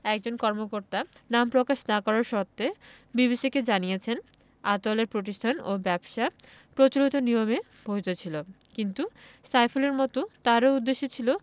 একজন কর্মকর্তা নাম প্রকাশ না করার শর্তে বিবিসিকে জানিয়েছেন আতাউলের প্রতিষ্ঠান ও ব্যবসা প্রচলিত নিয়মে বৈধ ছিল কিন্তু সাইফুলের মতো তারও উদ্দেশ্য ছিল